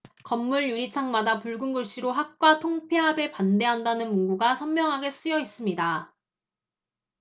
건물 유리창마다 붉은 글씨로 학과 통폐합에 반대한다는 문구가 선명하게 쓰여있습니다